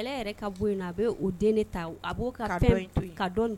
Ka